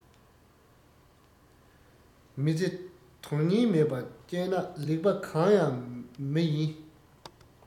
མི ཚེ དོན རྙིང མེད པར སྐྱལ ན ལེགས པ གང ཡང མི ཡིན